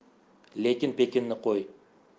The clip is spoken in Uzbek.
lekin pekinni qo'y